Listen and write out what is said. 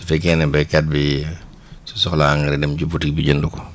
su fekkee ne béykat bi su soxlaa na dem ci botique bi jënd ko